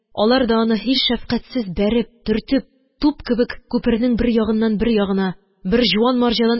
Алар да аны һич шәфкатьсез бәреп, төртеп, туп кебек, күпернең бер ягыннан бер ягына, бер җуан марҗадан